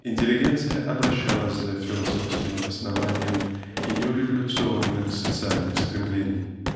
интеллигенция обращалась за философским обоснованием ее революционных социальных стремлений.